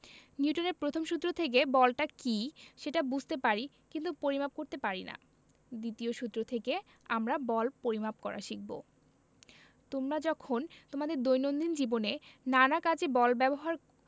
নিউটনের প্রথম সূত্র থেকে বলটা কী সেটা বুঝতে পারি কিন্তু পরিমাপ করতে পারি না দ্বিতীয় সূত্র থেকে আমরা বল পরিমাপ করা শিখব তোমরা যখন তোমাদের দৈনন্দিন জীবনে নানা কাজে বল ব্যবহার